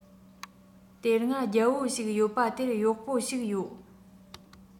དེ སྔ རྒྱལ པོ ཞིག ཡོད པ དེར གཡོག པོ ཞིག ཡོད